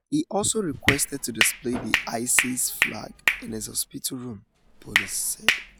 He also requested to display the ISIS flag in his hospital room, police said.